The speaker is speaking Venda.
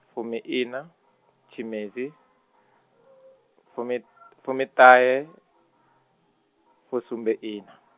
fumiiṋa, tshimedzi , fumi fumiṱahe, fusumbeiṋa.